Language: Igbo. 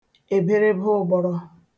èberebe ụgbọrọ